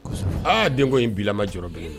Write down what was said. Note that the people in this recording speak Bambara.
Kosɛbɛ, aa denko in bilama, a jɔrɔ bɛ ne na !